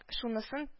Шунысын